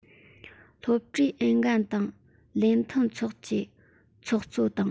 སློབ གྲྭའི ཨེ འགོག དང ལེན མཐུན ཚོགས ཀྱི ཚོགས གཙོ དང